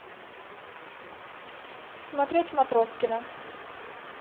смотреть матроскина